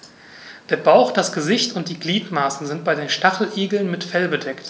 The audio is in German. Der Bauch, das Gesicht und die Gliedmaßen sind bei den Stacheligeln mit Fell bedeckt.